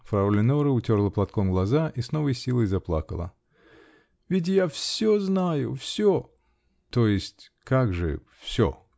-- Фрау Леноре утерла платком глаза и с новой силой заплакала. -- Ведь я все знаю! Все! -- То есть как же: все?